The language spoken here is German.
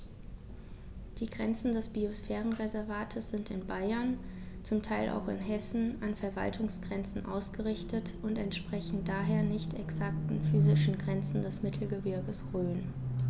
Die Grenzen des Biosphärenreservates sind in Bayern, zum Teil auch in Hessen, an Verwaltungsgrenzen ausgerichtet und entsprechen daher nicht exakten physischen Grenzen des Mittelgebirges Rhön.